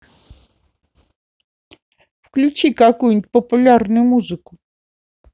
включи какую нибудь популярную музыку